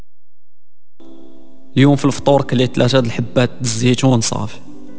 يوم في الفطور كليت الاستاذ حبات الزيتون صافي